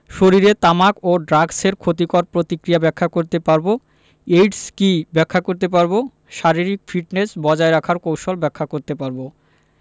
শরীরে তামাক ও ড্রাগসের ক্ষতিকর প্রতিক্রিয়া ব্যাখ্যা করতে পারব এইডস কী ব্যাখ্যা করতে পারব শারীরিক ফিটনেস বজায় রাখার কৌশল ব্যাখ্যা করতে পারব